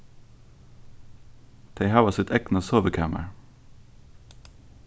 tey hava sítt egna sovikamar